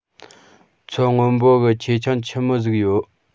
མཚོ སྔོན པོ གི ཆེ ཆུང ཆི མོ ཟིག ཡོད